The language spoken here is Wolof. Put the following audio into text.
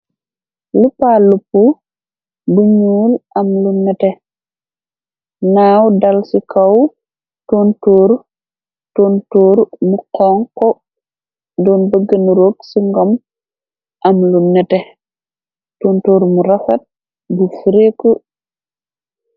Li palup bu ñuul am lu nete naaw dal ci kaw totor tontoor mu xoŋ ko doon bëggna roog ci ngom am lu nete tontoor mu rafat bu freeku.